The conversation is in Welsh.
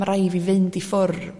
ma' rai' fi fynd i ffwr